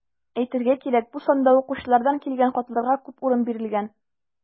Әйтергә кирәк, бу санда укучылардан килгән хатларга күп урын бирелгән.